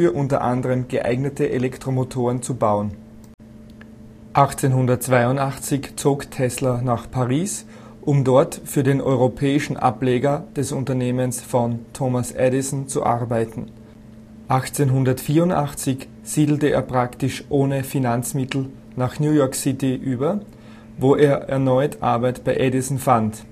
unter anderem geeignete Elektromotoren zu bauen. 1882 zog Tesla nach Paris, um dort für den europäischen Ableger der Unternehmen von Thomas Edison zu arbeiten. 1884 siedelte er praktisch ohne Finanzmittel nach New York City über, wo er erneut Arbeit bei Edison fand